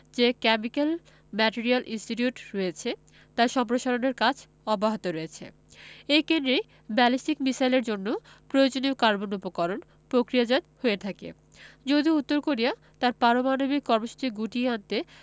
যে chemical material institute রয়েছে তার সম্প্রসারণের কাজ অব্যাহত রয়েছে এই কেন্দ্রেই ব্যালিস্টিক মিসাইলের জন্য প্রয়োজনীয় কার্বন উপকরণ প্রক্রিয়াজাত হয়ে থাকে যদি উত্তর কোরিয়া তার পারমাণবিক কর্মসূচি গুটিয়ে আনতে